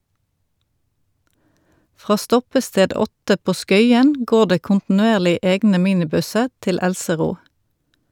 Fra stoppested 8 på Skøyen går det kontinuerlig egne minibusser til Elsero.